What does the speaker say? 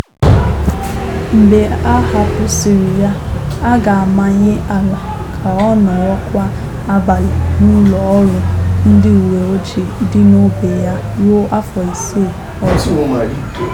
Mgbe a hapụsịrị ya, a ga-amanye Alaa ka ọ nọrọ kwa abalị n'ụlọ ọrụ ndị uwe ojii dị n'ogbe ya ruo afọ ise ọzọ.